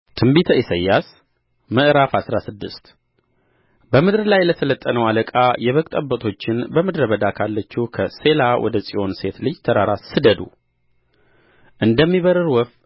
ትንቢተ ኢሳይያስ ምዕራፍ አስራ ስድስት በምድርም ላይ ለሠለጠነው አለቃ የበግ ጠቦቶችን በምድረ በዳ ካለችው ከሴላ ወደ ጽዮን ሴት ልጅ ተራራ ስደዱ እንደሚበርር ወፍ